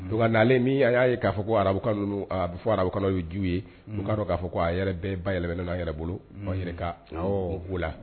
Don nalen min a y'a ye k'a fɔ ko arabu arabu yeju yea k'a fɔ ko a yɛrɛ bay n'a yɛrɛ bolo ba yɛrɛ la